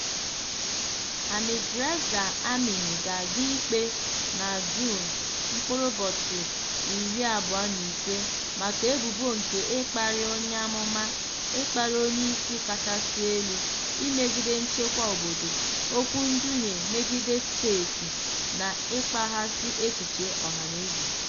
Hamidreza Amini ga-aga ikpe na Juun 25 maka ebubo nke "ịkparị onyeamụma", "ịkparị onyeisi kachasị elu", "imegide nchekwa obodo", "okwu nduhie megide steeti" na "ịkpaghasị echiche ọhanaeze".